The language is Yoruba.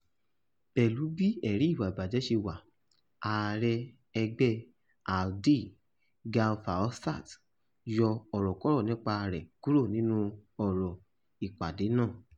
Pẹ̀lú bí ẹ̀rí ìwà ìbàjẹ́ ṣe wà, ààrẹ ẹgbẹ́ ALDE, Guy Verhofstdt, yọ ọ̀rọ̀kọrọ̀ nípa rẹ̀ kúrò nínú ọ̀rọ̀-ìpàdé náà.